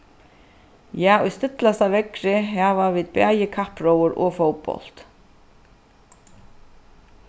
ja í stillasta veðri hava vit bæði kappróður og fótbólt